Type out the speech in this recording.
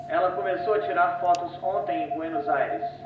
ela começou a tirar fotos ontem em buenos aires